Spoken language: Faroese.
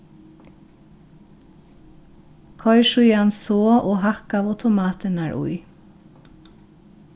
koyr síðan soð og hakkaðu tomatirnar í